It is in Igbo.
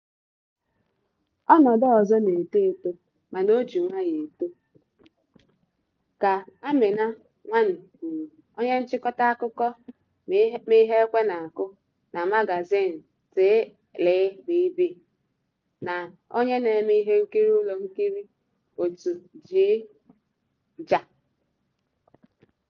"Ọnọdụ ọzọ na-eto eto, mana o ji nwayọ eto," ka Amine Nawny kwuru, onye nchịkọta akụkọ ma ihe ekwe na-akụ na magazin TLBB na onye na-eme ihe nkiri ụlọ nkiri otu JAA.